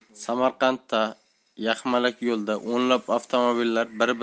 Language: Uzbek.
samarqandda yaxmalak yo'lda o'nlab avtomobillar bir